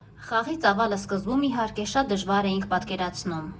֊ Խաղի ծավալը սկզբում, իհարկե, շատ դժվար էինք պատկերացնում։